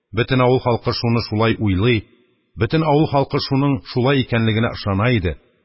Бөтен авыл халкы шуны шулай уйлый, бөтен авыл халкы шуның шулай икәнлегенә ышана иде.